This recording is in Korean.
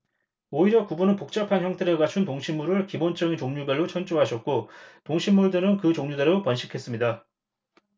오히려 그분은 복잡한 형태를 갖춘 동식물을 기본적인 종류별로 창조하셨고 동식물들은 그 종류대로 번식했습니다